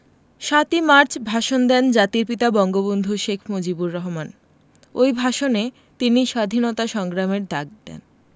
৭ই মার্চ ভাষণ দেন জাতির পিতা বঙ্গবন্ধু শেখ মুজিবুর রহমান ওই ভাষণে তিনি স্বাধীনতা সংগ্রামের ডাক দেন